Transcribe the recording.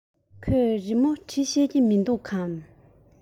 ཁོས རི མོ འབྲི ཤེས ཀྱི མིན འདུག གས